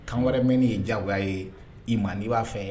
Kan wɛrɛ mɛnni ye diyagoya ye i ma n'i b'a fɛ